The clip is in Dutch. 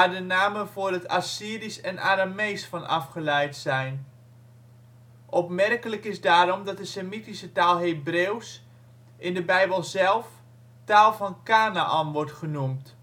de namen voor het Assyrisch en Aramees van afgeleid zijn. Opmerkelijk is daarom dat de Semitische taal Hebreeuws in de Bijbel zelf ' taal van Kanaän ' (sefat Kena'an) wordt genoemd